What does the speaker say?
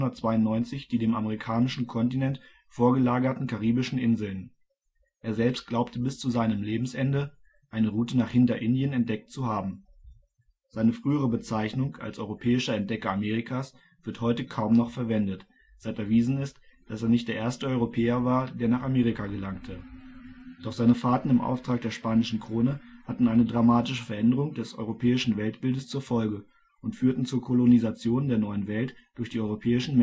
1492 die dem amerikanischen Kontinent vorgelagerten karibischen Inseln. Er selbst glaubte bis zu seinem Lebensende eine Route nach " Hinterindien " entdeckt zu haben. Seine frühere Bezeichnung als europäischer Entdecker Amerikas wird heute kaum noch verwendet, seit erwiesen ist, dass er nicht der erste Europäer war, der nach Amerika gelangte. Doch seine Fahrten im Auftrag der spanischen Krone hatten eine dramatische Veränderung des europäischen Weltbildes zur Folge und führten zur Kolonisation der Neuen Welt durch die europäischen